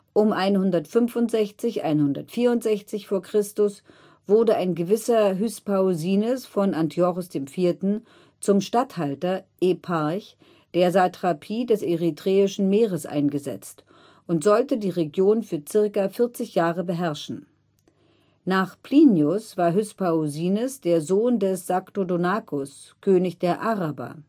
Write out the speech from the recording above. Um 165/64 v. Chr. wurde ein gewisser Hyspaosines von Antiochos IV. zum Statthalter (Eparch) der Satrapie des Erythräischen Meeres eingesetzt und sollte die Region für ca. 40 Jahre beherrschen. Nach Plinius war Hyspaosines der Sohn des Sagdodonacus, König der Araber